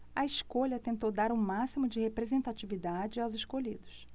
a escolha tentou dar o máximo de representatividade aos escolhidos